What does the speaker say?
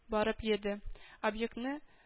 Барып йөрде, объектны